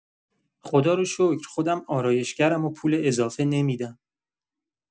خدا رو شکر خودم آرایشگرم و پول اضافه نمی‌دم.